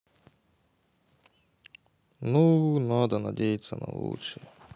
ну надо надеяться на лучшее